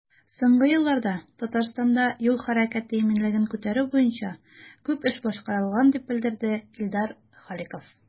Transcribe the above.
Соңгы елларда Татарстанда юл хәрәкәте иминлеген күтәрү буенча күп эш башкарылган, дип белдерде Илдар Халиков.